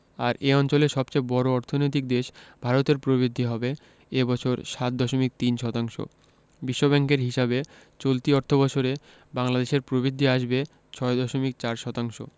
আর এ অঞ্চলের সবচেয়ে বড় অর্থনৈতিক দেশ ভারতের প্রবৃদ্ধি হবে এ বছর ৭.৩ শতাংশ বিশ্বব্যাংকের হিসাবে চলতি অর্থবছরে বাংলাদেশের প্রবৃদ্ধি আসবে ৬.৪ শতাংশ